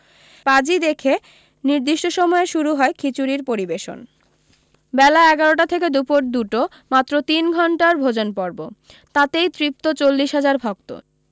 পাঁজি দেখে নির্দিষ্ট সময়ে শুরু হয় খিচুড়ির পরিবেশন বেলা এগারোটা থেকে দুপুর দুটো মাত্র তিন ঘন্টার ভোজনপর্ব তাতেই তৃপ্ত চল্লিশ হাজার ভক্ত